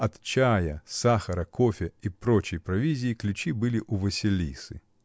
От чая, сахара, кофе и прочей провизии ключи были у Василисы.